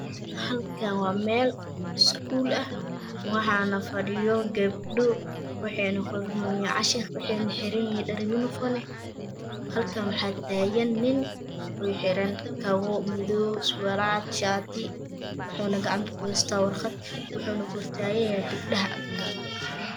Halkan waa meel iskuul ah waxana fadhiyo gabdho waxayna qoronayan cashar waxayna xiran yihiin dhar yurifoon ah halkan waxaa taagan nin xiran Kabo madow sulweel cad shaati wuxuuna gacanta Ku haysta warqad waxuuna kor taagan yahay gabdhaha